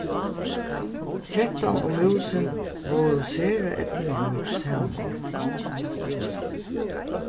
kettan og músin vóru sera eydnurík saman